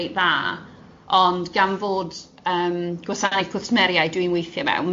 reit dda, ond gan fod yym gwasanaeth cwsmeriaid dwi'n weithio mewn,